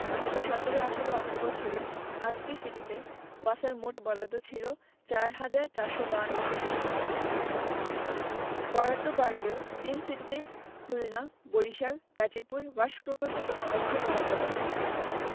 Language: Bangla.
২০১৭ ১৮ অর্থবছরে আটটি সিটিতে ওয়াসার মোট বরাদ্দ ছিল ৪ হাজার ৪৫২ কোটি টাকা বরাদ্দ বাড়লেও তিন সিটিতে খুলনা বরিশাল গাজীপুর ওয়াশ প্রকল্পে কোনো অর্থই বরাদ্দ করা হয়নি